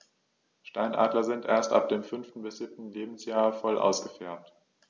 Steinadler sind erst ab dem 5. bis 7. Lebensjahr voll ausgefärbt.